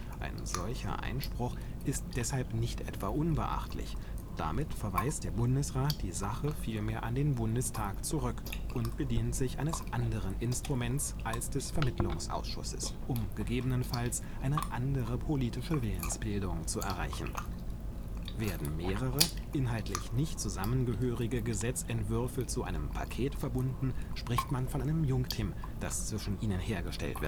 Ein solcher Einspruch ist deshalb nicht etwa unbeachtlich; damit verweist der Bundesrat die Sache vielmehr an den Bundestag zurück und bedient sich eines anderen Instruments als des Vermittlungsausschusses, um gegebenenfalls eine andere politische Willensbildung zu erreichen. Werden mehrere, inhaltlich nicht zusammengehörige Gesetzentwürfe zu einem „ Paket “verbunden, spricht man von einem Junktim, das zwischen ihnen hergestellt